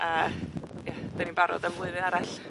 a ie 'dan ni'n barod am flwyddyn arall.